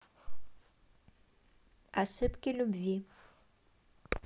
ошибки любви